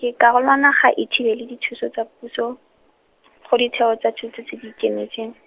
di karolwana ga e thibele dithuso tsa puso, go ditheo tsa thuto tse di ikemetseng.